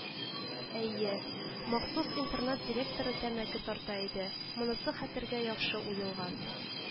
Әйе, махсус интернат директоры тәмәке тарта иде, монысы хәтергә яхшы уелган